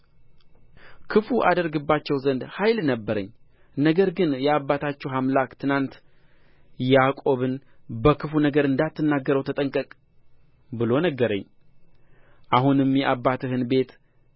ክፉ አደርግባችሁ ዘንድ ኃይል ነበረኝ ነገር ግን የአባታችሁ አምላክ ትናንት ያዕቆብን በክፉ ነገር እንዳትናገረው ተጠንቀቅ ብሎ ነገረኝ አሁንም የአባትህን ቤት